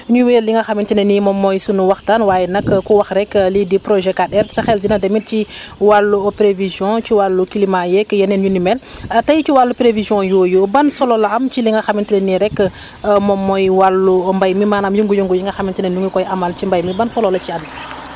ñuy wéyal li nga xamante ne ni moom mooy sunu waxtaan waaye nag ku wax rek lii di projet 4R sa xel dina dem it ci wàllu prévision ci wàllu climat yeeg yeneen yu ni mel tey ci wàllu prévisions yooyu ban solo la am ci li nga xamante ne ni rek moom mooy wàllu mbéy mi maanaam yëngu-yëngu yi nga xamante ne ni ñu ngi koy amal ci mbéy mi ban solo la ci andi